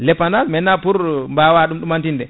le pendant maitenant pour mbawa ɗum ɗumantinde